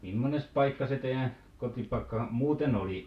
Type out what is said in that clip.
mimmoinen paikka se teidän kotipaikka muuten oli